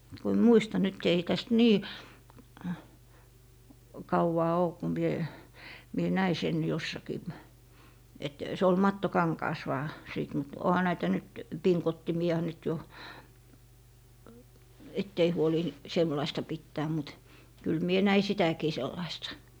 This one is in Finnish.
kun en muista nyt ei tästä niin kauaa ole kun minä minä näin sen jossakin että se oli mattokankaassa vain sitten mutta onhan näitä nyt pingottimia nyt jo että ei huoli sellaista pitää mutta kyllä minä näin sitäkin sellaista